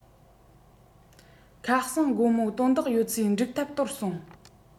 ཁ སང དགོང མོ དོན དག ཡོད ཚད འགྲིག ཐབས དོར སོང